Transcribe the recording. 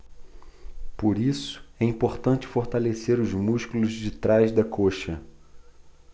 por isso é importante fortalecer os músculos de trás da coxa